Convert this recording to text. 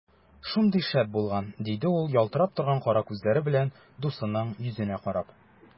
Шундый шәп булган! - диде ул ялтырап торган кара күзләре белән дусының йөзенә карап.